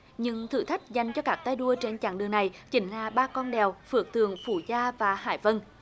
nhưng thử thách dành cho các tay đua trên chặng đường này chính là ba con đèo phước tượng phú gia và hải vân